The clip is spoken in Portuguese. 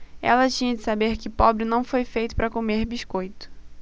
ela tinha de saber que pobre não foi feito para comer biscoito